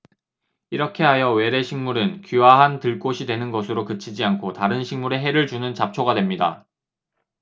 이렇게 하여 외래 식물은 귀화한 들꽃이 되는 것으로 그치지 않고 다른 식물에 해를 주는 잡초가 됩니다